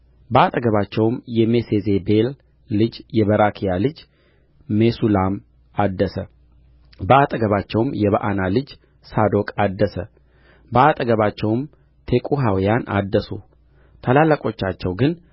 በአጠገባቸውም የሜሴዜቤል ልጅ የበራክያ ልጅ ሜሱላም አደሰ በአጠገባቸውም የበዓና ልጅ ሳዶቅ አደሰ በአጠገባቸውም ቴቁሐውያን አደሱ ታላላቆቻቸው ግን